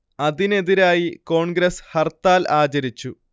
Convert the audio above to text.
അതിനെതിരായി കോൺഗ്രസ് ഹർത്താൽ ആചരിച്ചു